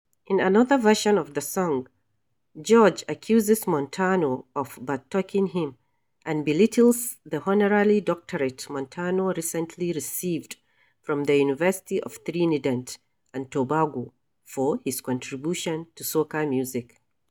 In another version of the song, George accuses Montano of "bad talking" him, and belittles the honorary doctorate Montano recently received from the University of Trinidad and Tobago for his contribution to soca music.